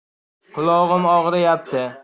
qulog'im og'riyapti